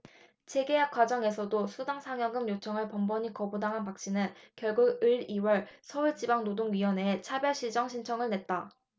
재계약 과정에서도 수당 상여금 요청을 번번이 거부당한 박씨는 결국 올 이 월 서울지방노동위원회에 차별시정 신청을 냈다